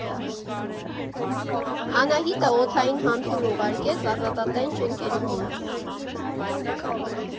Անահիտը օդային համբույր ուղարկեց ազատատենչ ընկերուհուն։